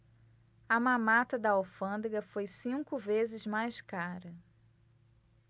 a mamata da alfândega foi cinco vezes mais cara